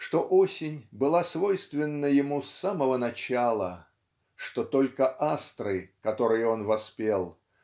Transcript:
что осень была свойственна ему с самого начала что только астры которые он воспел